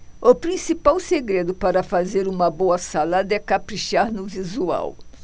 o principal segredo para fazer uma boa salada é caprichar no visual